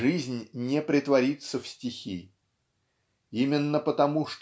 жизнь не претворится в стихи. Именно потому